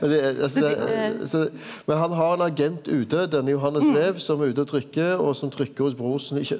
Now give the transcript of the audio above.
men han har ein agent ute denne Johannes Rev som er ute og trykker og som trykker hos bror sin i.